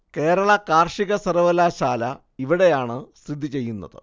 കേരള കാര്‍ഷിക സര്‍വ്വകലാശാല ഇവിടെയാണ് സ്ഥിതിചെയ്യുന്നത്